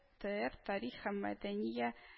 ТээР Тарих һәм мәдәния